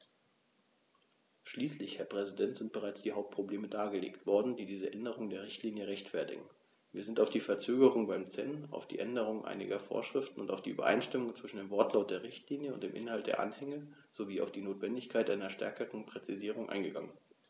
Schließlich, Herr Präsident, sind bereits die Hauptprobleme dargelegt worden, die diese Änderung der Richtlinie rechtfertigen, wir sind auf die Verzögerung beim CEN, auf die Änderung einiger Vorschriften, auf die Übereinstimmung zwischen dem Wortlaut der Richtlinie und dem Inhalt der Anhänge sowie auf die Notwendigkeit einer stärkeren Präzisierung eingegangen.